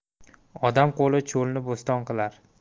odam qo'li cho'lni bo'ston qilar